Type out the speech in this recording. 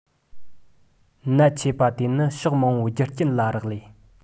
ནད མཆེད པ དེ ནི ཕྱོགས མང པོའི རྒྱུ རྐྱེན ལ རག ལས